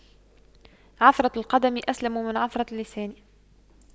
عثرة القدم أسلم من عثرة اللسان